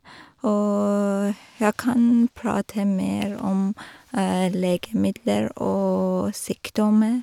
Og jeg kan prate mer om legemidler og sykdommer.